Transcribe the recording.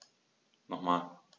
Nochmal.